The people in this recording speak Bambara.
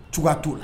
Cogoya t'o la